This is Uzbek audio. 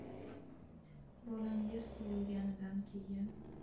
bolangiz tug'ilganidan keyin